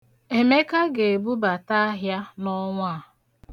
Emeka ga-ebubata ahịa n'ọnwa a.